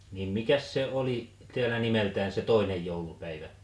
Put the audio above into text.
niin mikäs se oli täällä nimeltään se toinen joulupäivä